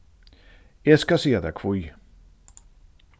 eg skal siga tær hví